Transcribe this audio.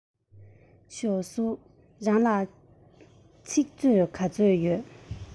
ཞའོ སུའུ རང ལ ཚིག མཛོད ག ཚོད ཡོད